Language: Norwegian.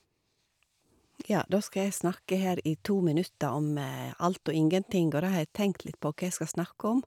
Ja, da skal jeg snakke her i to minutter om alt og ingenting, og da har jeg tenkt litt på hva jeg skal snakke om.